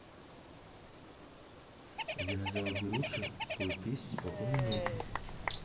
я надела беруши пой песню спокойной ночи